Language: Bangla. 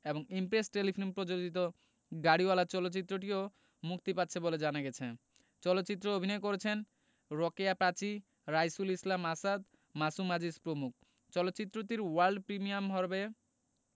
এবং ইমপ্রেস টেলিফিল্ম প্রযোজিত গাড়িওয়ালা চলচ্চিত্রটিও মুক্তি পাচ্ছে বলে জানা গেছে চলচ্চিত্রে অভিনয় করেছেন রোকেয়া প্রাচী রাইসুল ইসলাম আসাদ মাসুম আজিজ প্রমুখ চলচ্চিত্রটির ওয়ার্ল্ড প্রিমিয়াম হরবে